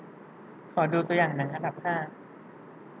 ขอดูตัวอย่างหนังอันดับห้า